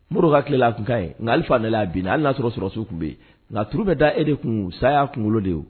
Modibo ka tile la a tun kaɲi mais Alpha nalen a binna hali n'a sɔrɔ surasiw tun be ye ŋa turu bɛ da e de kuun sa y'a kuŋolo de ye o